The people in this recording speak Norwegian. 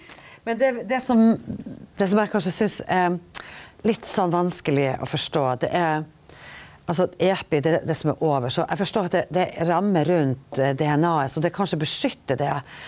men det det som det som eg kanskje synest er litt sånn vanskeleg å forstå det er altså epi det er det som er over så eg forstår at det det er ei ramme rundt DNA-et så det kanskje beskyttar det.